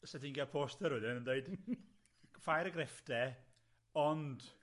sa di'n ca'l poster wedyn yn deud ffair y greffte ond